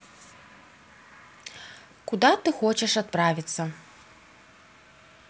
куда ты хочешь отправиться